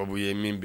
Baw' ye min bɛ